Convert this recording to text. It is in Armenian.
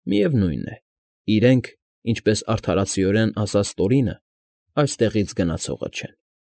Միևնույն է, իրենք, ինչպես արդարացիորեն ասաց Տորինը, այստեղից գնացողը չեն։